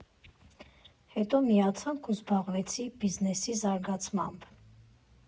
Հետո միացանք ու զբաղվեցի բիզնեսի զարգացմամբ։